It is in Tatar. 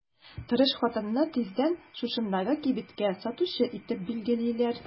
Тырыш хатынны тиздән шушындагы кибеткә сатучы итеп билгелиләр.